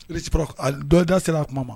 Dɔda sera a kuma ma